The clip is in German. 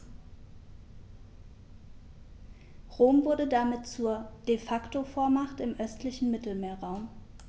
Rom wurde damit zur ‚De-Facto-Vormacht‘ im östlichen Mittelmeerraum.